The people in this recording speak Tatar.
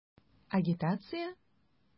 Агитация?!